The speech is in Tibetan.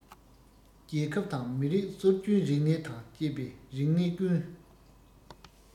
རྒྱལ ཁབ དང མི རིགས སྲོལ རྒྱུན རིག གནས དང བཅས པའི རིག གནས ཀུན